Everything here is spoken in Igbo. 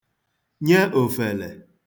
nye òfèlè